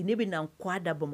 Ne bɛna n kawu da Bamakɔ